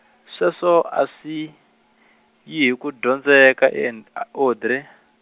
sweswo a swi, yi hi ku dyondzeka And- Audrey.